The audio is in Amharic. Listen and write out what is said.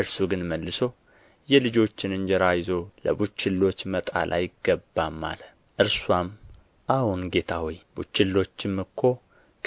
እርሱ ግን መልሶ የልጆችን እንጀራ ይዞ ለቡችሎች መጣል አይገባም አለ እርስዋም አዎን ጌታ ሆይ ቡችሎችም እኮ